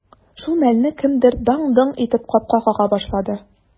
Шул мәлне кемдер даң-доң итеп капка кага башлады.